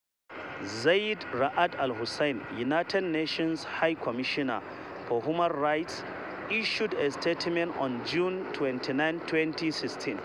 Zeid Ra'ad Al Hussein, United Nations High Commissioner for Human Rights, issued a statement on June 29, 2016.